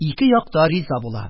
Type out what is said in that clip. Ике як та риза була.